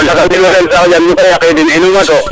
lakas inore saax a yaqidin ino mato